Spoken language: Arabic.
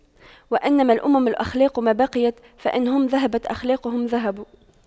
وإنما الأمم الأخلاق ما بقيت فإن هم ذهبت أخلاقهم ذهبوا